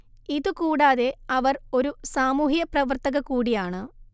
ഇതുകൂടാതെ അവർ ഒരു സാമൂഹ്യപ്രവർത്തക കൂടിയാണ്